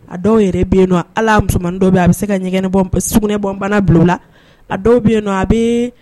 A dɔw yɛrɛ bɛ yen nɔn ala musoman dɔw bɛ a bɛ se ka ɲɛgɛn bɔ sɛ bɔbana bila la a dɔw bɛ yen nɔ a bɛ